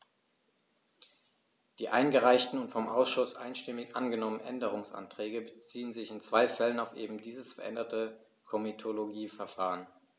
Die eingereichten und vom Ausschuss einstimmig angenommenen Änderungsanträge beziehen sich in zwei Fällen auf eben dieses veränderte Komitologieverfahren.